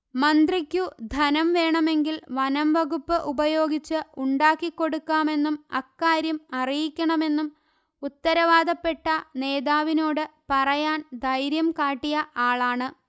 മന്ത്രിക്കു ധനം വേണമെങ്കിൽ വനംവകുപ്പ് ഉപയോഗിച്ച് ഉണ്ടാക്കിക്കൊടുക്കാമെന്നും അക്കാര്യം അറിയിക്കണമെന്നും ഉത്തരവാദപ്പെട്ട നേതാവിനോടു പറയാൻധൈര്യം കാട്ടിയ ആളാണ്